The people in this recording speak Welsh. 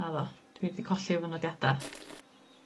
Naddo, dwi 'di colli fy nodiada.